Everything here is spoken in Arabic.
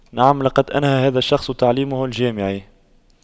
نعم لقد أنهى هذا الشخص تعليمه الجامعي